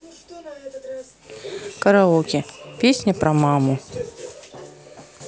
караоке песня про маму